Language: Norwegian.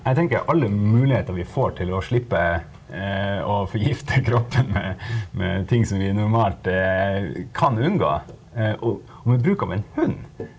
jeg tenker alle muligheter vi får til å slippe å forgifte kroppen med med ting som vi normalt kan unngå og med bruk av en hund.